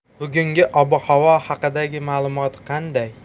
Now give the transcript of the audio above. bugungi ob havo haqidagi ma'lumot qanday